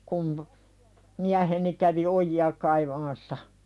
kun mieheni kävi ojia kaivamassa